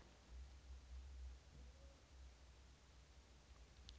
кушаем мы писю